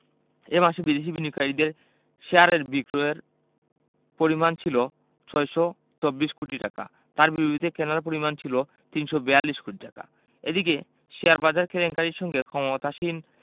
এ মাসে বিদেশি বিনিয়োগকারীদের শেয়ারের বিক্রয়ের পরিমাণ ছিল ৬২৪ কোটি টাকা তার বিপরীতে কেনার পরিমাণ ছিল ৩৪২ কোটি টাকা এদিকে শেয়ারবাজার কেলেঙ্কারির সঙ্গে ক্ষমতাসীন